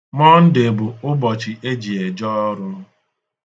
Mọnde bụ ụbọchị e ji eje ọrụ.